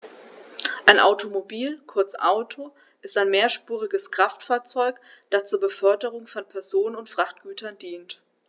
Ein Automobil, kurz Auto, ist ein mehrspuriges Kraftfahrzeug, das zur Beförderung von Personen und Frachtgütern dient.